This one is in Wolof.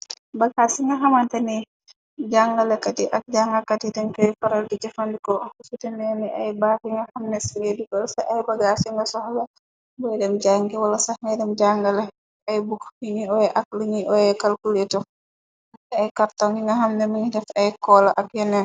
Bagaas ci nga xamante ni, jàngalekat yi ak jàngakat yi dënkey faral gi jëfandikoo, aku sutenee ni ay baak yi nga xam ne singe dugal ca ay bagaas ci nga soxla boy dem jànge, wala saxne deem jàngale, ay bukk yiñuy oye, ak luñuy oye kalkuleto, ay karton yi nga xamne mini def ay koola ak yenen.